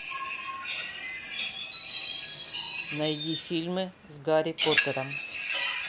найди фильмы с гарри поттером